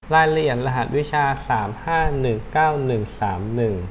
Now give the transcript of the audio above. รายละเอียดรหัสวิชาสามห้าหนึ่งเก้าหนึ่งสามหนึ่ง